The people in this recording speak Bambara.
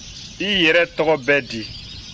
i yɛrɛ tɔgɔ bɛ di